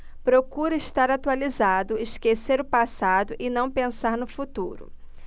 procuro estar atualizado esquecer o passado e não pensar no futuro